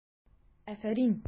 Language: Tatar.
Афәрин!